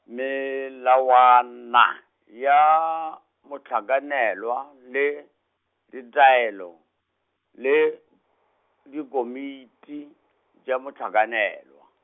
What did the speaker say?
melawana, ya mohlakanelwa, le ditaelo, le, dikomiti, tša mohlakanelwa.